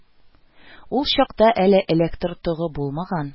Ул чакта әле электр тогы булмаган